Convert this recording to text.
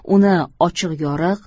uni ochiq yoriq